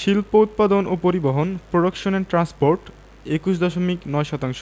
শিল্প উৎপাদন ও পরিবহণ প্রোডাকশন এন্ড ট্রান্সপোর্ট ২১ দশমিক ৯ শতাংশ